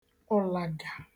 ụ̀làgà